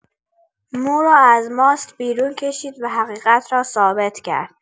مو را از ماست بیرون کشید و حقیقت را ثابت کرد.